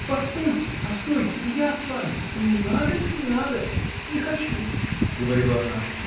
Постойте, постойте, и я с вами!. — Не надо, не надо, не хочу! — говорила она.